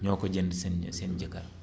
ñoo ko jënd seen seen jëkkër